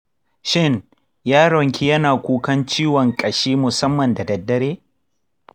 shin yaron ki yana kukan ciwon ƙashi musamman da daddare?